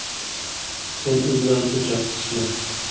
sen u bilan o'chakishma